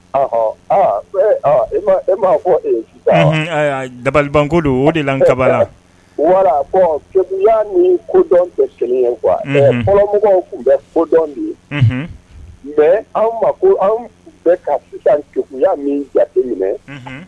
E m'a fɔ dabaliko don wo de kabala wara koya ni kodɔn tɛ sɛnɛ kuwa fɔlɔmɔgɔw tun bɛ kodɔn de ye mɛ anw ma ko anw bɛ ka sisankuya min bila e minɛ